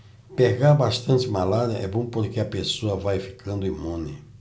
pegar bastante malária é bom porque a pessoa vai ficando imune